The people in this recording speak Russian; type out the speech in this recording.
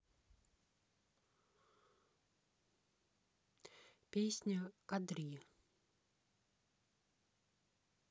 песня кадри